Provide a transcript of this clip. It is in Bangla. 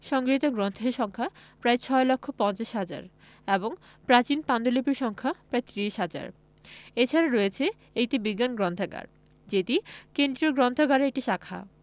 সংগৃহীত গ্রন্থের সংখ্যা প্রায় ৬ লক্ষ ৫০ হাজার এবং প্রাচীন পান্ডুলিপির সংখ্যা প্রায় ত্রিশ হাজার এছাড়া রয়েছে একটি বিজ্ঞান গ্রন্থাগার যেটি কেন্দ্রীয় গ্রন্থাগারের একটি শাখা